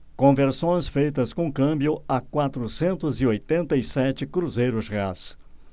conversões feitas com câmbio a quatrocentos e oitenta e sete cruzeiros reais